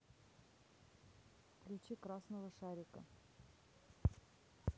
включи красного шарика